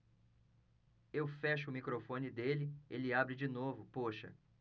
eu fecho o microfone dele ele abre de novo poxa